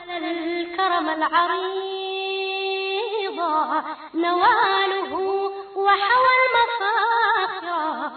Tilekɔrɔ bɔlondugu wa yo